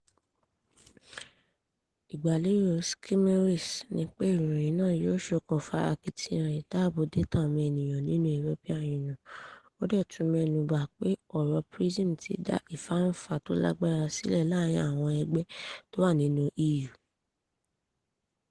Ìgbàlérò Szymielewicz ni pé ìroyìn náà yóò ṣokùnfa akitiyan ìdáàbò data ọmọniyàn nínu European Union, ó dẹ̀ tún mẹ́nubà pé ọ̀rọ̀ “PRISM” ti da “ìfánfà tó lágbára” silẹ̀ láààrìn àwọn ẹgbẹ́ tó wà nínú EU.